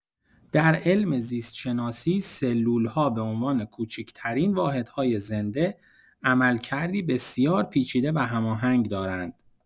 در علم زیست‌شناسی، سلول‌ها به‌عنوان کوچک‌ترین واحدهای زنده، عملکردی بسیار پیچیده و هماهنگ دارند.